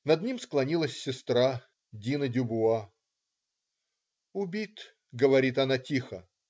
Над ним склонилась сестра Дина Дюбуа. "Убит",- говорит она тихо.